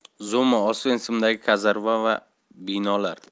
zuma osvensimdagi kazarma va binolar